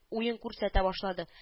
Уен күрсәтә башлады